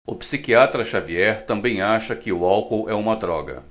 o psiquiatra dartiu xavier também acha que o álcool é uma droga